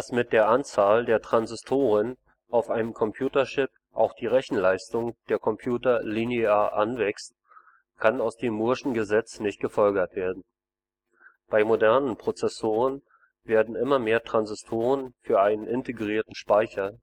mit der Anzahl der Transistoren auf einem Computerchip auch die Rechenleistung der Computer linear anwächst, kann aus dem mooreschen Gesetz nicht gefolgert werden. Bei modernen Prozessoren werden immer mehr Transistoren für einen integrierten Speicher